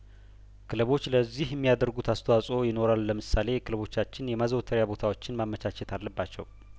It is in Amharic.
ክለቦች ለዚህ የሚያደርጉት አስተዋጽኦ ይኖራል ለምሳሌ ክለቦቻችን የማዘውተሪያ ቦታዎችን ማመቻቸት አለባቸው